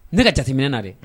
Ne ka jateminɛ na dɛ